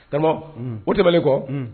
T o tɛbalen kɔ